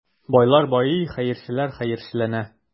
Байлар байый, хәерчеләр хәерчеләнә.